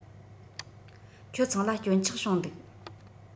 ཁྱོད ཚང ལ སྐྱོན ཆག བྱུང འདུག